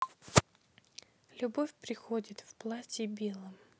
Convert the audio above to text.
любовь приходит в платье белом